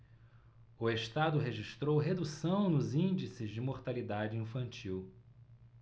o estado registrou redução nos índices de mortalidade infantil